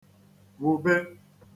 wùbe